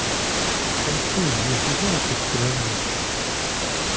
танцуй если знаешь эти тренды